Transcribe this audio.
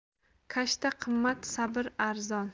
kashta qimmat sabr arzon